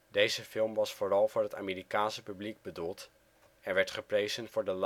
Deze film was vooral voor het Amerikaanse publiek bedoeld en werd geprezen voor de